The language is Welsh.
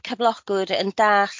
cyflogwr yn dall'